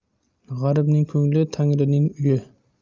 g'aribning ko'ngli tangrining uyi